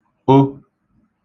o